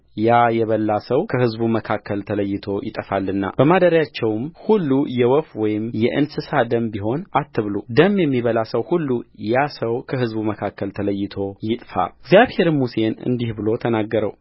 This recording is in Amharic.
ያ የበላ ሰው ከሕዝቡ መካከል ተለይቶ ይጠፋልና በማደሪያዎቻችሁም ሁሉ የወፍ ወይም የእንስሳ ደም ቢሆን አትብሉደም የሚበላ ሰው ሁሉ ያ ሰው ከሕዝቡ መካከል ተለይቶ ይጥፋ እግዚአብሔርም ሙሴን እንዲህ ብሎ ተናገረው